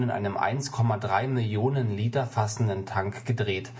einem 1,3 Million Liter fassenden Tank gedreht